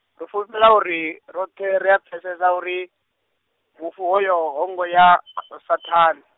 ro fulufhela uri, roṱhe ria pfesesa uri, mufu hoyo, ho ngo ya a- Saṱhane.